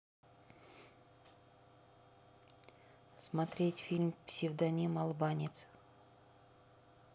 смотреть фильм псевдоним албанец